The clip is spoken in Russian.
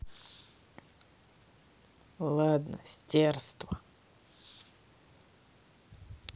ладно стерство